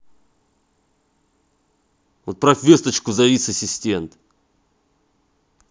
отправь весточку завис ассистент